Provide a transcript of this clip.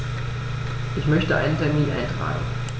Ich möchte einen Termin eintragen.